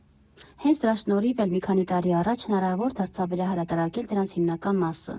Հենց դրա շնորհիվ էլ մի քանի տարի առաջ հնարավոր դարձավ վերահրատարակել դրանց հիմնական մասը։